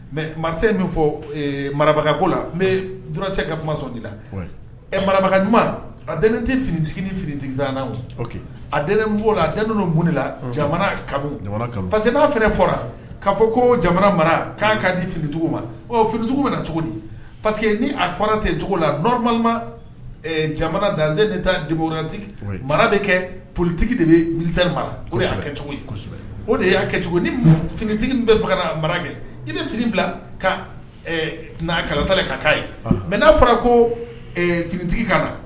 Mɛ in bɛ fɔ marabagako la nturase ka kuma sɔn de la ɛ marabaga ɲuman a tɛ finitigiinin finitigi dan a'o la a bon la jamana jamana parce que n'a fana fɔra ka'a fɔ ko jamana mara k' kan'a di finicogo ma finitigiw bɛ na cogo di parceseke ni a fɔra ten yen cogo la nɔrɔmama jamana dan de taa denbotigi mara bɛ kɛ politigi de bɛta mara o kɛcogo o de y'a kɛ ni finitigi bɛ faga marakɛ i bɛ fini bila ka karatata ka'a ye mɛ n'a fɔra ko finitigi ka na